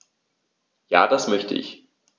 Ja, das möchte ich.